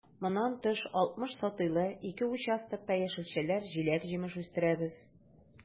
Моннан тыш, 60 сотыйлы ике участокта яшелчәләр, җиләк-җимеш үстерәбез.